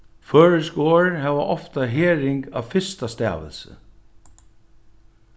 føroysk orð hava ofta herðing á fyrsta stavilsi